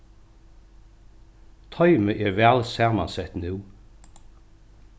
toymið er væl samansett nú